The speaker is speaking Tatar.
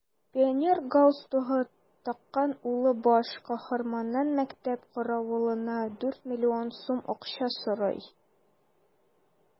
Пионер галстугы таккан улы баш каһарманнан мәктәп каравылына дүрт миллион сум акча сорый.